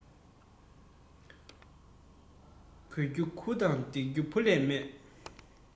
དགོས རྒྱུ བུ དང འདེགས རྒྱུ བུ ལས མེད